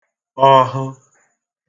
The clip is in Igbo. ohə̣